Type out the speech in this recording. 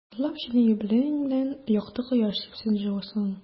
Котлап сине юбилеең белән, якты кояш сипсен җылысын.